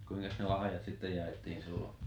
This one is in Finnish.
kuinkas ne lahjat sitten jaettiin silloin